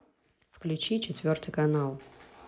включи четвертый канал